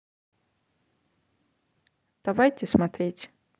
давайте смотреть